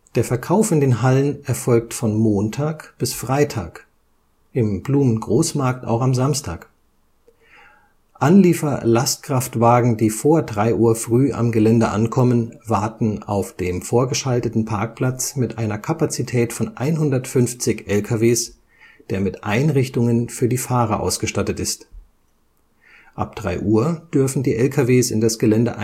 Der Verkauf in den Hallen erfolgt von Montag bis Freitag (im Blumengroßmarkt auch am Samstag). Anliefer-Lastkraftwagen, die vor 3:00 Uhr früh am Gelände ankommen, warten auf dem vorgeschalteten Parkplatz mit einer Kapazität von 150 LKWs, der mit Einrichtungen für die Fahrer ausgestattet ist. Ab 3:00 Uhr dürfen die LKWs in das Gelände einfahren